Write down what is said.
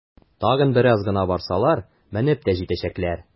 Тагын бераз гына барсалар, менеп тә җитәчәкләр!